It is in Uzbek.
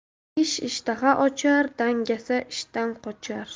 ish ishtaha ochar dangasa ishdan qochar